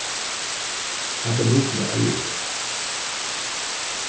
hasar lutirnar eigi eg